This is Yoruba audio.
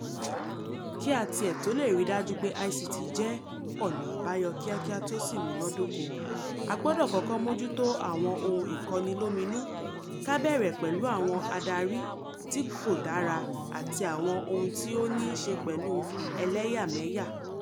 Kí a tiẹ̀ tó lè ri dájú pé ICT jẹ́ “ọ̀nà àbáyọ̀ kíákíá tó sì múná dóko” a gbọ́dọ̀ kọ́kọ́ mójútó àwọn ohun ìkọnilóminú, ká bẹ̀rẹ̀ pẹ̀lú àwọn adarí tí kò dára àti àwọn ohun tó ní ṣe pẹ̀lú ẹlẹ́yàmẹyà.